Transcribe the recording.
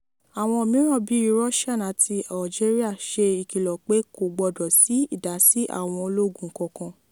Àwọn mìíràn, bíi Russia àti Algeria, ṣe ìkìlọ̀ pé kò gbọdọ̀ sí ìdásí àwọn ológun kankan.